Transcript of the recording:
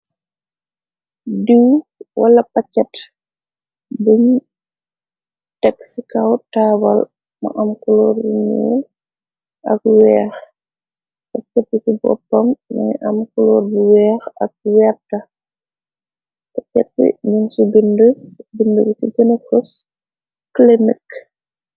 Diw wala paket buñu tekk cikaw tabal ma am kuloor biniil ak weex tak kepp ci boppam man am kuloor bu weex ak werta paket i min ci bbind bi ci binikos clinik.